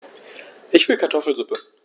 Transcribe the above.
Ich will Kartoffelsuppe.